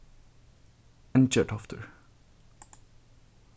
eingjartoftir